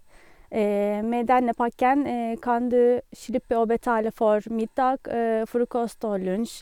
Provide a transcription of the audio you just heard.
Med denne pakken kan du slippe å betale for middag, frokost og lunsj.